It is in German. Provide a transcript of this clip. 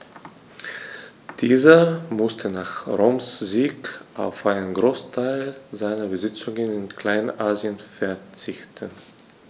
Dieser musste nach Roms Sieg auf einen Großteil seiner Besitzungen in Kleinasien verzichten.